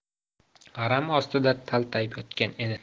g'aram ostida taltayib yotgan edi